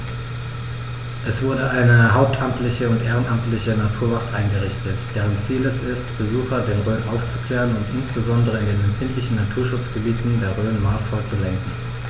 Es wurde eine hauptamtliche und ehrenamtliche Naturwacht eingerichtet, deren Ziel es ist, Besucher der Rhön aufzuklären und insbesondere in den empfindlichen Naturschutzgebieten der Rhön maßvoll zu lenken.